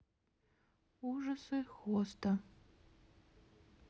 ужасы хоста